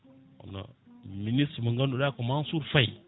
kono ministre mo ganduɗa ko Mansour Faye